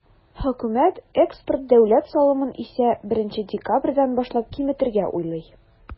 Хөкүмәт экспорт дәүләт салымын исә, 1 декабрьдән башлап киметергә уйлый.